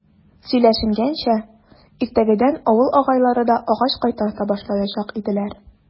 Сөйләшенгәнчә, иртәгәдән авыл агайлары да агач кайтарта башлаячак иделәр.